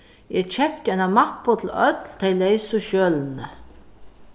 eg keypti eina mappu til øll tey leysu skjølini